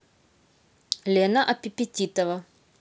лена аппетитова